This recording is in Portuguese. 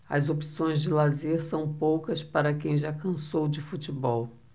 as opções de lazer são poucas para quem já cansou de futebol